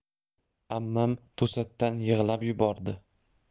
ammam to'satdan yig'lab yubordi